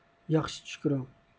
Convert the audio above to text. ياخشى چۈش كۆرۈڭ